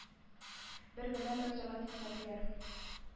Бер генә мөрәҗәгать итмәделәр.